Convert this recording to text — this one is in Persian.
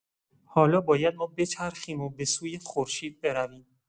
حالا باید ما بچرخیم و به‌سوی خورشید برویم.